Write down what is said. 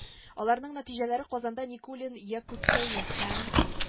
Аларның нәтиҗәләре казанда никулин якуценя һәм